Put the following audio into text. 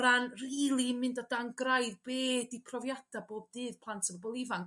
o ran rili mynd o dan graidd be 'di profiada' bob dydd plant a bobol ifanc